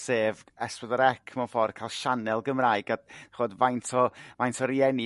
sef es pedwar ec mewn ffor' ca'l sianel Gymraeg a ch'od faint o faint o rieni